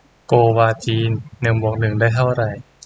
โกวาจีหนึ่งบวกหนึ่งได้เท่าไร